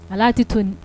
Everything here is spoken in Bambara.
Ala tɛ to di